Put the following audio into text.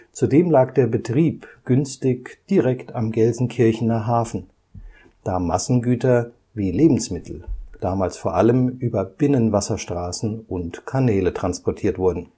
Zudem lag der Betrieb günstig direkt am Gelsenkirchener Hafen, da Massengüter wie Lebensmittel damals vor allem über Binnenwasserstraßen und Kanäle transportiert wurden